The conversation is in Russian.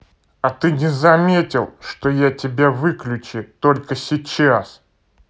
а ты не заметил что я тебя выключи только сейчас